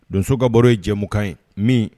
Donsow ka baro ye jɛmukan ye, min